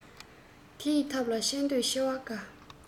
དེ ཡི ཐབས ལ ཆེ འདོད ཆེ བ དགའ